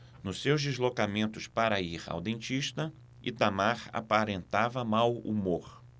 nos seus deslocamentos para ir ao dentista itamar aparentava mau humor